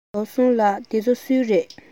ཞའོ སུང ལགས འདི ཚོ སུའི རེད